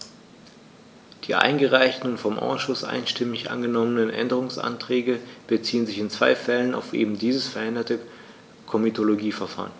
Die eingereichten und vom Ausschuss einstimmig angenommenen Änderungsanträge beziehen sich in zwei Fällen auf eben dieses veränderte Komitologieverfahren.